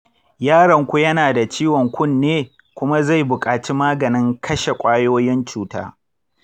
yaronku yana da ciwon kunne kuma zai buƙaci maganin kashe ƙwayoyin cuta.